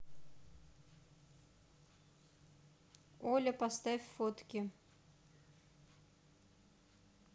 оля поставь фотки